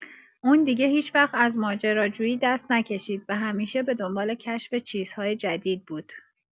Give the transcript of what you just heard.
اون دیگه هیچوقت از ماجراجویی دست نکشید و همیشه به دنبال کشف چیزهای جدید بود.